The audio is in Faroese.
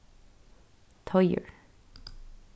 teigur